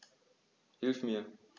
Hilf mir!